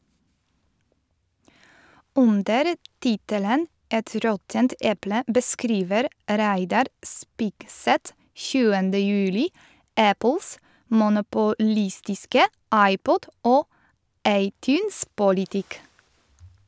Under tittelen «Et råttent eple» beskriver Reidar Spigseth 7. juli Apples monopolistiske iPod- og iTunes-politikk.